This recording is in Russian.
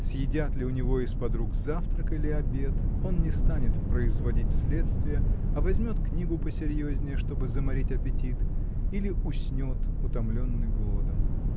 Съедят ли у него из-под рук завтрак или обед, он не станет производить следствия, а возьмет книгу посерьезнее, чтобы заморить аппетит, или уснет, утомленный голодом.